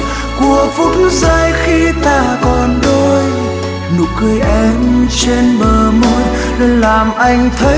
của phút giây khi ta còn đôi nụ cười em trên bờ môi luôn làm anh thấy